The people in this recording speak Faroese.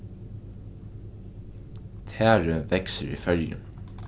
tari veksur í føroyum